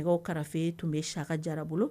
Nɛgɛ karafe tun bɛ saka jara bolo